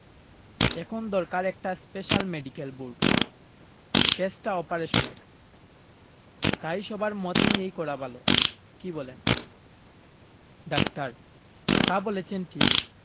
এখন দরকার একটা স্পেশাল মেডিকেল বোর্ড কেসটা অপারেশনের তাই সবার মত নিয়েই করা ভালো কি বলেন ডাক্তার তা বলেছেন ঠিক